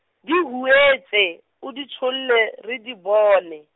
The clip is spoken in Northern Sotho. di huetše, o di tšholle, re di bone.